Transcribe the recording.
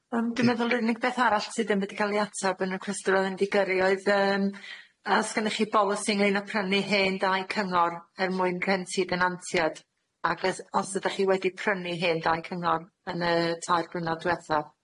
Yym dwi'n meddwl yr unig beth arall sydd ddim wedi ca'l 'i atab yn y cwestiwn oeddwn i 'di gyrru oedd yym, a o's gynnoch chi bolisi ynglŷn â prynu hen dai cyngor er mwyn rhentu i denantiad, ac os os ydach chi wedi prynu hen dai cyngor yn y tair blynadd dwetha?